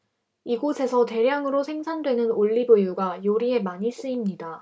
이곳에서 대량으로 생산되는 올리브유가 요리에 많이 쓰입니다